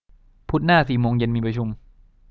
พุธหน้าสี่โมงเย็นมีประชุม